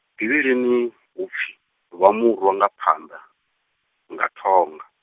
Bivhilini hu pfi, vha mu rwa kha phanḓa, nga thonga.